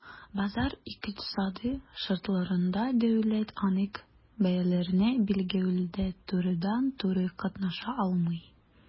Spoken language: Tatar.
Базар икътисады шартларында дәүләт анык бәяләрне билгеләүдә турыдан-туры катнаша алмый.